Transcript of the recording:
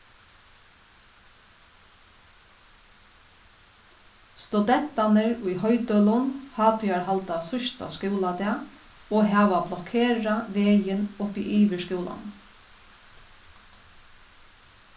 studentarnir í hoydølum hátíðarhalda síðsta skúladag og hava blokerað vegin uppiyvir skúlanum